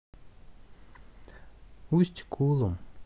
усть кулом